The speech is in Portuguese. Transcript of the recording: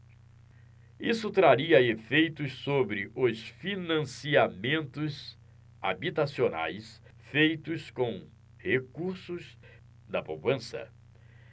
isso traria efeitos sobre os financiamentos habitacionais feitos com recursos da poupança